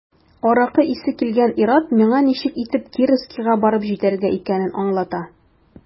Аракы исе килгән ир-ат миңа ничек итеп Кировскига барып җитәргә икәнен аңлата.